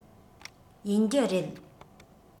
ཡིན རྒྱུ རེད